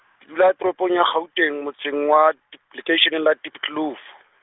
ke dula toropong ya Gauteng, motseng wa Diep-, lekeisheneng la Diepkloof.